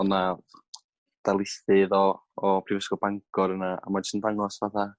ona dalithydd o o Prifysgol Bangor yna a ma' jys yn ddangos fatha